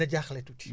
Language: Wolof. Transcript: dina jaaxle tuuti